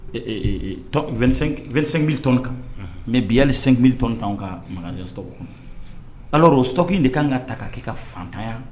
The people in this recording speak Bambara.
Eeeele t kan mɛ biyali senli t an ka makan alao tɔ de kan ka ta k'a kɛ ka fatanya